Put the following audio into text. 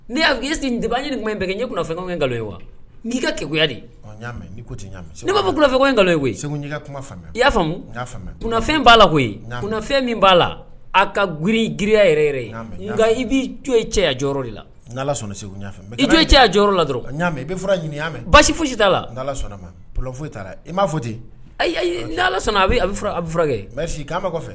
N' daba ɲini in bɛ kɛ n'fɛn ye wa n'i ka kɛya ne b'afɛ i'afɛn b'a lafɛn min b'a la a ka gi gya yɛrɛ ye nka i b'i jɔ cɛya jɔyɔrɔ de la sɔnna segu ɲɛ i cɛya jɔyɔrɔ la dɔrɔn ɲa i bɛ ɲini mɛ basi foyi si t'a la sɔnna foyi i b'a fɔ ten sɔnna a a bɛ furakɛ ma kɔfɛ